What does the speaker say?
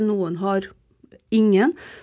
noen har ingen.